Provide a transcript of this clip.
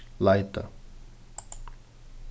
leita